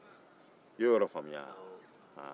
i y'o yɔrɔ faamuya wa